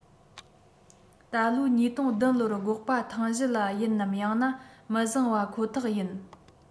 ད ལོའི ༢༠༠༧ ལོར སྒོག པ ཐང གཞི ལ ཡིན ནམ ཡང ན མི བཟང པ ཁོ ཐག ཡིན